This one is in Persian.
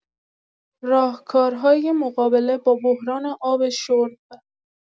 راهکارهای مقابله با بحران آب شرب